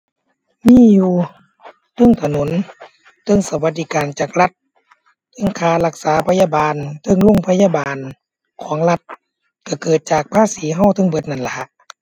มีอยู่ เทิงถนน เทิงสวัสดิการจากรัฐ เทิงค่ารักษาพยาบาล เทิงโรงพยาบาลของรัฐ ก็เกิดจากภาษีก็เทิงเบิดนั่นล่ะ